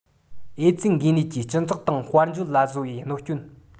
ཨེ ཙི འགོས ནད ཀྱིས སྤྱི ཚོགས དང དཔལ འབྱོར ལ བཟོ བའི གནོད སྐྱོན